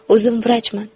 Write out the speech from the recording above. o'zim vrachman